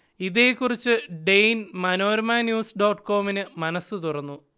ഇതേക്കുറിച്ച് Dane Manorama news ഡോട്ട്കോമിനോട് മനസ് തുറന്നു